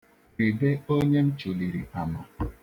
Ribe onye m chụliri ama.